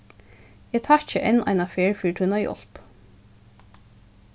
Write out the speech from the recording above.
eg takki enn einaferð fyri tína hjálp